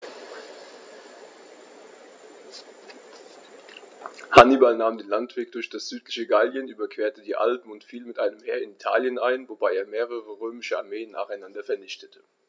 Hannibal nahm den Landweg durch das südliche Gallien, überquerte die Alpen und fiel mit einem Heer in Italien ein, wobei er mehrere römische Armeen nacheinander vernichtete.